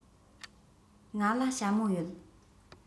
ང ལ ཞྭ མོ ཡོད